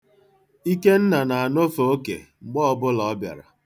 Ikenna na-anọfe oke mgbe ọbụla ọ bịara.